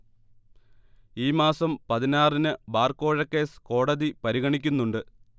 ഈ മാസം പതിനാറിന് ബാർ കോഴക്കേസ് കോടതി പരിഗണിക്കുന്നുണ്ട്